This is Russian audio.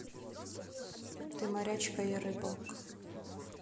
ты морячка я рыбак